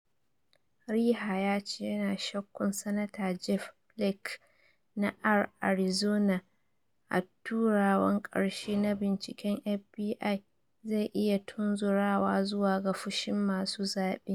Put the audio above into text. Reeher ya ce yana shakkun Sanata Jeff Flake na (R-Arizona) a turawan karshe na binciken FBI zai iya tunzurawa zuwa ga fushin masu zabe.